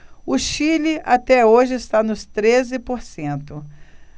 o chile até hoje está nos treze por cento